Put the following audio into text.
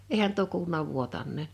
eihän tuo kuulunut vuotaneen